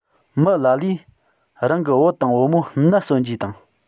མི ལ ལས རང གི བུ དང བུ མོ ནར སོན རྗེས དང